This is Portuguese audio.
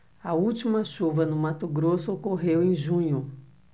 a última chuva no mato grosso ocorreu em junho